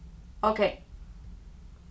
ókey